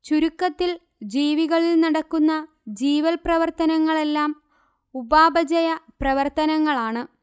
ചുരുക്കത്തിൽ ജീവികളിൽ നടക്കുന്ന ജീവൽ പ്രവർത്തനങ്ങളെല്ലാം ഉപാപചയ പ്രവർത്തനങ്ങളാണ്